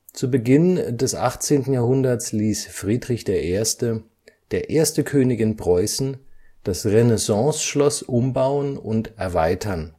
Zu Beginn des 18. Jahrhunderts ließ Friedrich I., der erste König in Preußen, das Renaissance-Schloss umbauen und erweitern